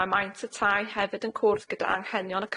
Ma' maint y tai hefyd yn cwrdd gyda anghenion y